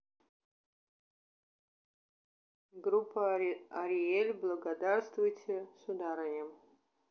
группа ариель благодарствуйте сударыня